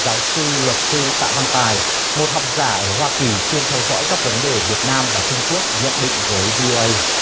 giáo sư luật sư tạ văn tài một học giả ở hoa kỳ chuyên theo dõi các vấn đề việt nam và trung quốc nhận định với vi ô ây